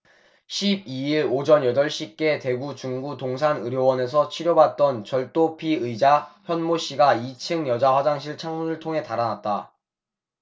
십 이 일 오전 여덟 시께 대구 중구 동산의료원에서 치료받던 절도 피의자 현모씨가 이 층 여자 화장실 창문을 통해 달아났다